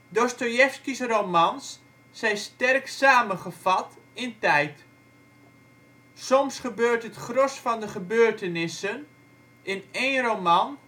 Dostojevski 's romans zijn sterk samengevat in tijd. Soms gebeurt het gros van de gebeurtenissen in één roman